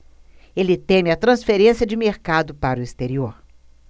ele teme a transferência de mercado para o exterior